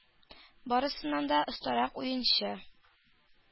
Барысыннан да остарак уенчы,